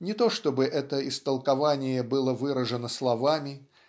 Не то чтобы это истолкование было выражено словами